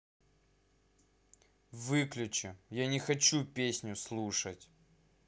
выключи я не хочу песню слушать